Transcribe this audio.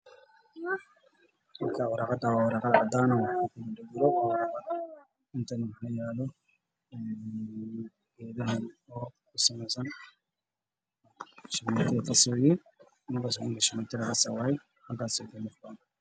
Meeshan waxaa jooga mashiin ka waxaana ay taagan dad waana makiinad niman shaatiyo gudud cagaar joogo